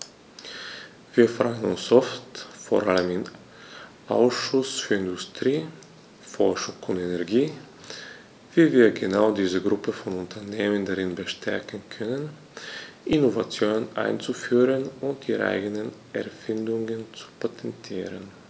Wir fragen uns oft, vor allem im Ausschuss für Industrie, Forschung und Energie, wie wir genau diese Gruppe von Unternehmen darin bestärken können, Innovationen einzuführen und ihre eigenen Erfindungen zu patentieren.